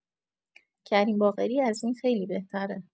کریم باقری از این خیلی بهتره.